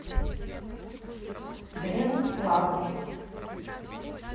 глент влада